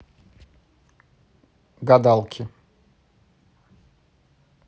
гадалки